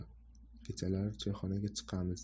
kechalari choyxonaga chiqamiz